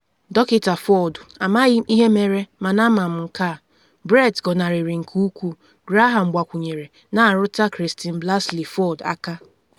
“Dr. Ford, Amaghị m ihe mere mana a ama m nke a: Brett gọnarịrị nke ukwuu,” Graham gbakwunyere, na-arụta Christine Blasey Ford aka.